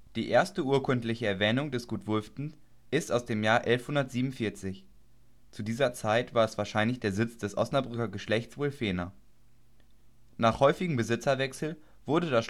Die erste urkundliche Erwähnung des Gutes Wulften ist aus dem Jahr 1147. Zu dieser Zeit war es wahrscheinlich der Sitz des Osnabrücker Geschlechtes Wulvena. Nach häufigem Besitzerwechsel wurde